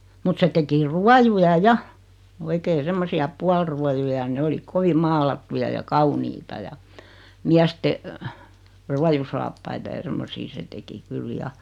mutta se teki ruojuja ja oikein semmoisia puoliruojuja ja ne oli kovin maalattuja ja kauniita ja miesten ruojusaappaita ja semmoisia se teki kyllä ja